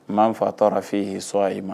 N m'an fa tɔɔrɔ f''i sɔn a' ma